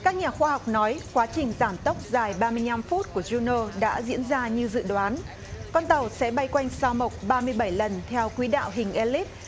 các nhà khoa học nói quá trình giảm tốc dài ba mươi nhăm phút của du nô đã diễn ra như dự đoán con tàu sẽ bay quanh sao mộc ba mươi bảy lần theo quỹ đạo hình e líp